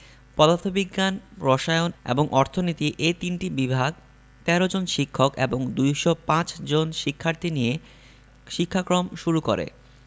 পদার্থ বিজ্ঞান রসায়ন এবং অর্থনীতি এ তিনটি বিভাগ ১৩ জন শিক্ষক এবং ২০৫ জন শিক্ষার্থী নিয়ে শিক্ষাক্রম শুরু করে